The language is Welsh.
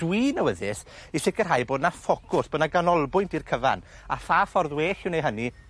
dwi'n awyddus i sicirhau bod 'na ffocws bo' 'na ganolbwynt i'r cyfan a pha ffordd well i wneu hynny